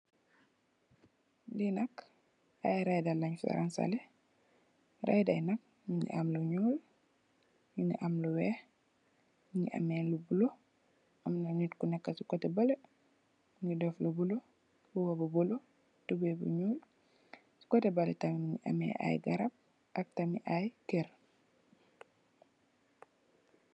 Li nak ay rëyda leen fi rangsalè, rëyda yi nak mungi am lu ñuul, nungi am lu weeh, nungi ameh lu bulo. Amna nit Ku nekka ci kotè balè mungi deff lu bulo, mbuba bu bulo, tubeye bu ñuul. Ci kotè balè tamit mungi ameh ay garab ak tamit ay kër.